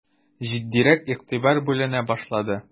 Җитдирәк игътибар бүленә башлады.